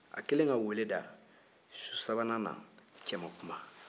a kɛlen ka weele da su sabanan na cɛ ma kuma